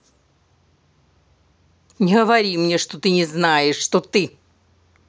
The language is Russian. не говори мне то что ты не знаешь что ты